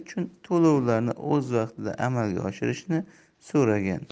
uchun to'lovlarni o'z vaqtida amalga oshirilishini so'ragan